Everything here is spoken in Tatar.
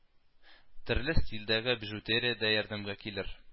Төрле стильдәге бижутерия дә ярдәмгә килер